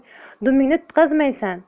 dumingni tutqazmaysan